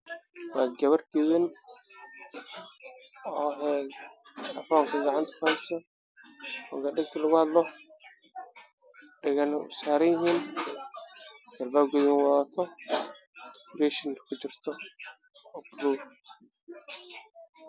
Waa sawir naag ah oo ku sawiran naag